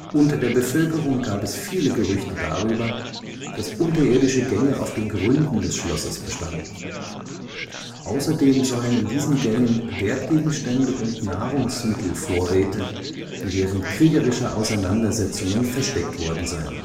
Unter der Bevölkerung gab es viele Gerüchte darüber, dass unterirdische Gänge auf den Gründen des Schlosses bestanden. Außerdem sollen in diesen Gängen Wertgegenstände und Nahrungsmittelvorräte während kriegerischer Auseinandersetzungen versteckt worden sein